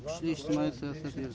kuchli ijtimoiy siyosat yuritish